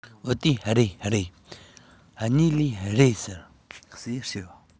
བུ དེས རེད རེད གཉིད ལམ རེད ས ཟེར བཤད པས